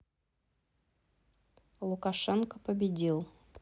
лукашенко победил